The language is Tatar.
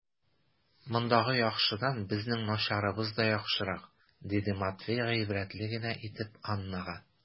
Мондагы яхшыдан безнең начарыбыз да яхшырак, - диде Матвей гыйбрәтле генә итеп Аннага.